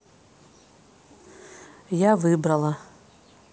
я выбрала